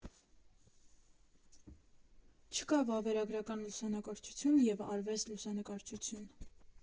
Չկա վավերագրական լուսանկարչություն և արվեստ լուսանկարչություն։